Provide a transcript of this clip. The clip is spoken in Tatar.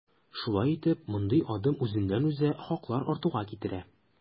Шулай итеп, мондый адым үзеннән-үзе хаклар артуга китерә.